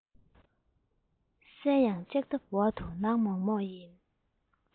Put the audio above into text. གསལ ཡང ལྕགས ཐབ འོག ཏུ ནག མོག མོག ཡིན